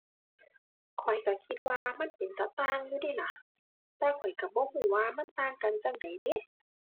ข้อยก็คิดว่ามันเป็นตาต่างอยู่เดะล่ะ แต่ข้อยก็บ่ก็ว่ามันต่างกันจั่งใดเดะ